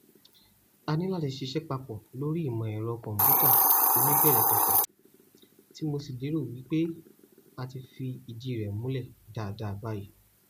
A ní láti ṣe iṣẹ́ púpọ̀ lórí ìmọ̀ ìlò ẹ̀rọ kọ̀m̀pútà oníbẹ̀rẹ̀pẹ̀pẹ̀, tí mo sì lérò wí pé a ti fi ìdí rẹ̀ múlẹ̀ dáadáa báyìí.